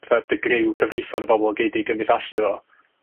fatha dy griw cyfreithlon o bobol gei di gymdeithasu efo.